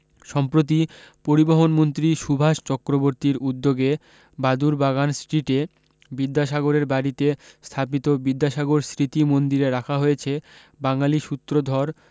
সম্প্রতি পরিবহনমন্ত্রী সুভাষ চক্রবর্তীর উদ্যোগে বাদুড় বাগান স্ট্রীটে বিদ্যাসাগরের বাড়ীতে স্থাপিত বিদ্যাসাগর স্মৃতি মন্দিরে রাখা হয়েছে বাঙালী সূত্রধর